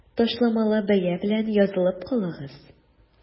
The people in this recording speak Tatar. Ташламалы бәя белән язылып калыгыз!